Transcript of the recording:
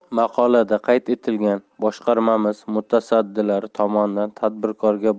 maqolada qayd etilgan boshqarmamiz mutasaddilari tomonidan tadbirkorga